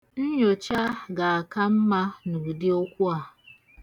Nnyocha ga-aka mma n'udi okwu a.